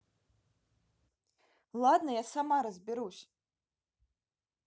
ладно я сама разберусь